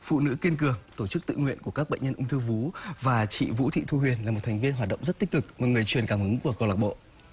phụ nữ kiên cường tổ chức tự nguyện của các bệnh nhân ung thư vú và chị vũ thị thu huyền là một thành viên hoạt động rất tích cực một người truyền cảm hứng của câu lạc bộ